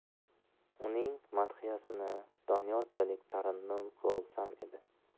uning madhiyasini doniyorchalik tarannum qilolsam edi